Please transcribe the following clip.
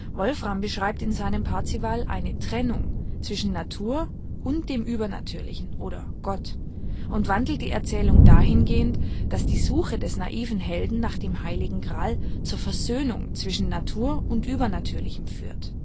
Wolfram beschreibt in seinem Parzival eine Trennung zwischen Natur und dem Übernatürlichen oder Gott und wandelt die Erzählung dahingehend, dass die Suche des naiven Helden nach dem Heiligen Gral zur Versöhnung zwischen Natur und Übernatürlichem führt